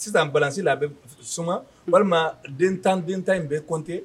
Sisan balasi la a bɛ soman walima den tan dentan in bɛ kɔnte